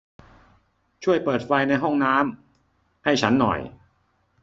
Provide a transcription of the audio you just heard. ช่วยเปิดไฟในห้องน้ำให้ฉันหน่อย